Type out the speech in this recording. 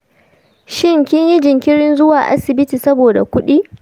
shin kinyi jinkirin zuwa asibiti saboda kudi?